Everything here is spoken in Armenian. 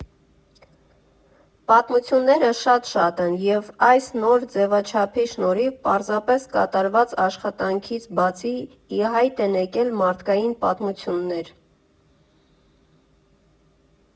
Պատմությունները շատ֊շատ են, և այս նոր ձևաչափի շնորհիվ պարզապես կատարված աշխատանքից բացի ի հայտ են եկել մարդկային պատմություններ։